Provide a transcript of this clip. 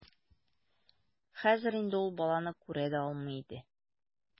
Хәзер инде ул баланы күрә дә алмый иде.